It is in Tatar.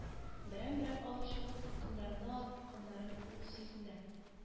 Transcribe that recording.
Берәм-берәм алып чыгып тоткыннарны атканнарын ул сизенә